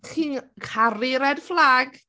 Chi'n caru red flag?